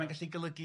mae'n gallu golygu